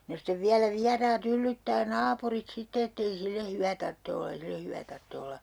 no sitten vielä vieraat yllyttää naapurit sitten että ei sille hyvä tarvitse olla ei sille hyvä tarvitse olla